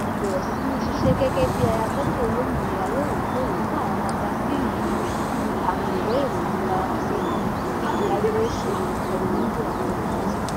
Mo bẹ̀rẹ̀ sí ní ṣisẹ́ gẹ́gẹ́ bíi ayafọ́tò olómìnira lóòrèkóòrè fún àwọn magasíìnì àti àwọn ìwé ìròyìn Faransé, bíi Libération, Le Monde, àti Paris Match.